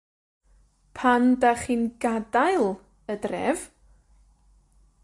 pan dach chi'n gadael, y dref.